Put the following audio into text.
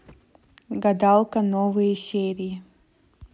гадалка новые серии